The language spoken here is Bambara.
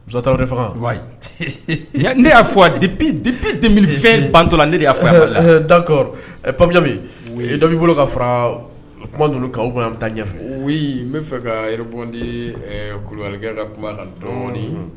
Ta ne y'a fɔ a fɛn bantɔ la de' dakɔrɔ paja u ye dɔ bolo ka fara kuma don' an bɛ taa ɲɛfɔ n bɛ fɛ ka yɛrɛbdi kubalikɛ ka kuma la dɔɔninɔni